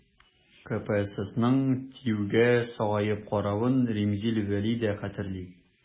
КПССның ТИҮгә сагаеп каравын Римзил Вәли дә хәтерли.